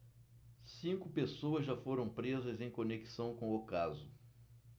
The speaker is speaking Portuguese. cinco pessoas já foram presas em conexão com o caso